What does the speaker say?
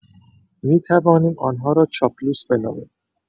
می‌توانیم آنها را چاپلوس بنامیم